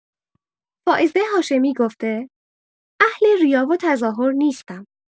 فائزه هاشمی گفته: اهل ریا و تظاهر نیستم!